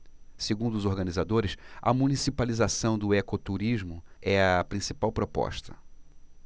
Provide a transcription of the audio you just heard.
segundo os organizadores a municipalização do ecoturismo é a principal proposta